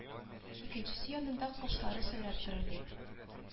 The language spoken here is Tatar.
Икенчесе яныңда кошлары сайрап торыр ди